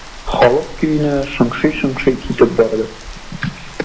Халык көенә шыңшый-шыңшый китеп барды.